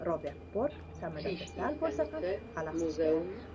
robert bork samolyotda sal bo'lsa ham alahsishga